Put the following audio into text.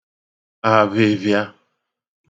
abhibbhịa